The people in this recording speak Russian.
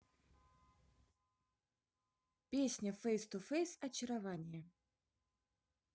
песня face to face очарование